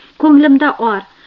ko'nglimda or